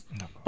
d' accord